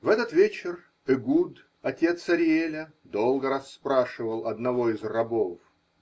*** В этот вечер Эгуд, отец Ариэля, долго расспрашивал одного из рабов.